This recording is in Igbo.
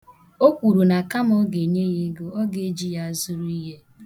O kwuru na kama ọ ga-enye ya ego, ọ ga-eji ya zụrụ ihe.